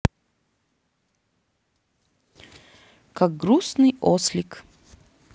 как грустный ослик